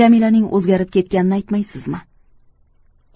jamilaning o'zgarib ketganini aytmaysizmi